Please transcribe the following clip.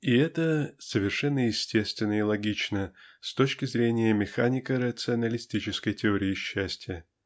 И это совершенно естественно и логично с точки зрения механико-рационалистической теории счастья.